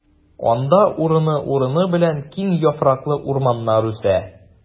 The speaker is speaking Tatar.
Анда урыны-урыны белән киң яфраклы урманнар үсә.